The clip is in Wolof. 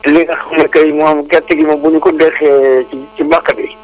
lii nga xam ne kay moom gerte gi moom bu ñu ko deqee ci ci bàq bi